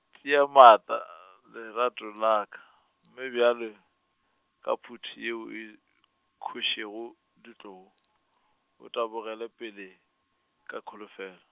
tia maatla , lerato la ka, mme bjale, ka phuti yeo e , khošego ditloo, o tabogele pele, ka kholofelo.